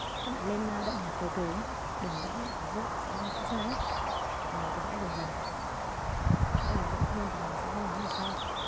các bạn lên đậm nhạt từ từ nhé đừng vẽ đậm quá vội vì dễ sai lắm mình cứ vẽ dần dần chỗ nào đậm hơn thì nhấn vào sau